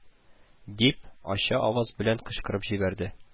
– дип, ачы аваз белән кычкырып җибәрде